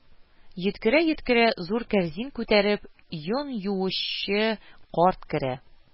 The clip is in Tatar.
Йөткерә-йөткерә, зур кәрзин күтәреп, йон юучы карт керә